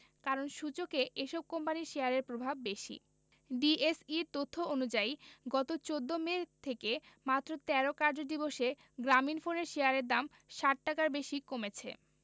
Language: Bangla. কারণ সূচকে এসব কোম্পানির শেয়ারের প্রভাব বেশি ডিএসইর তথ্য অনুযায়ী গত ১৪ মে থেকে মাত্র ১৩ কার্যদিবসে গ্রামীণফোনের শেয়ারের দাম ৬০ টাকার বেশি কমেছে